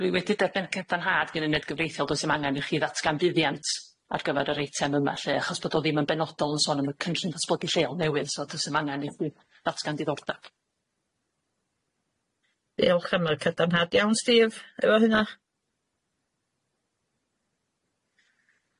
Dwi wedi derbyn cadarnhad gymyned gyfreithiol does dim angan i chi ddatgan buddiant ar gyfar yr eitem yma lly achos bod o ddim yn benodol yn sôn am y cynllun ddatblygu lleol newydd so do's na'm angan i chdi ddatgan diddordab. Diolch am y cadarnhad. Iawn Steve efo hynna?